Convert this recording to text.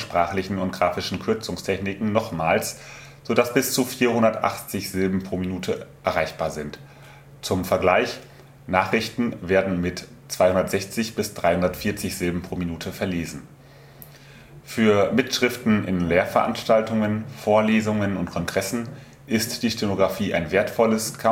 sprachlichen und graphischen Kürzungstechniken nochmals, sodass bis zu 480 Silben pro Minute erreichbar sind. (Zum Vergleich: Nachrichten werden mit 260 bis 340 Silben pro Minute verlesen.) Für Mitschriften in Lehrveranstaltungen, Vorlesungen und Kongressen ist die Stenografie ein wertvolles